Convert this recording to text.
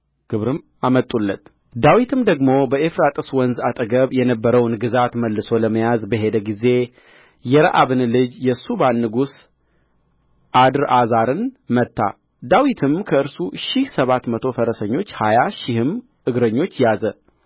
ግብርም አመጡለት ዳዊትም ደግሞ በኤፍራጥስ ወንዝ አጠገብ የነበረውን ግዛት መልሶ ለመያዝ በሄደ ጊዜ የረአብን ልጅ የሱባን ንጉሥ አድርአዛርን መታ ዳዊትም ከእርሱ ሺህ ሰባት መቶ ፈረሰኞች ሀያ ሺህም እግረኞች ያዘ